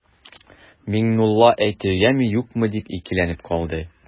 Миңнулла әйтергәме-юкмы дип икеләнеп калды.